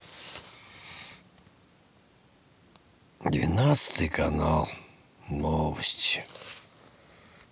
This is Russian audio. двенадцатый канал новости